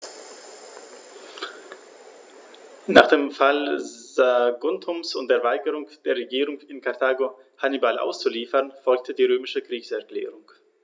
Nach dem Fall Saguntums und der Weigerung der Regierung in Karthago, Hannibal auszuliefern, folgte die römische Kriegserklärung.